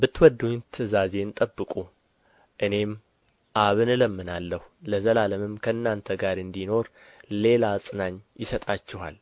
ብትወዱኝ ትእዛዜን ጠብቁ እኔም አብን እለምናለሁ ለዘላለምም ከእናንተ ጋር እንዲኖር ሌላ አጽናኝ ይሰጣችኋል